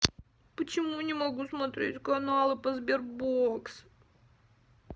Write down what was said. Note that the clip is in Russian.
почему не могу смотреть каналы по sberbox